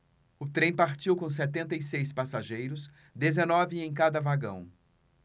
o trem partiu com setenta e seis passageiros dezenove em cada vagão